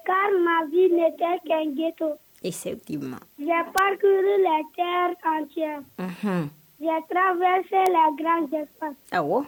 Karamɔgɔbi ne tɛ kɛgeto ii ma yafafakuru la cɛ cɛ ya bɛ se lajɛ sa